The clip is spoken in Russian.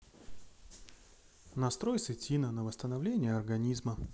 настрой сытина на восстановление организма